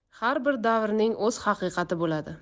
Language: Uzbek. har bir davrning o'z haqiqati bo'ladi